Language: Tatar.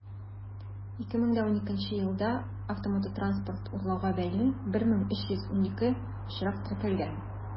2012 елда автомототранспорт урлауга бәйле 1312 очрак теркәлгән.